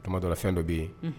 Tama dɔrɔnra fɛn dɔ bɛ yen